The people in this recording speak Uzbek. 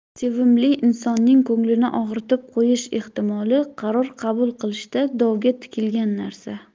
sevimli insonning ko'nglini og'ritib qo'yish ehtimoli qaror qabul qilishda dovga tikilgan narsa